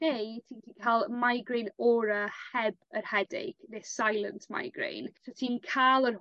Neu ti'n gllu ca'l migraine aura heb yr headache ne' silent migraine. So ti'n ca'l yr